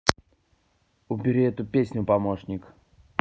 убери эту песню помощник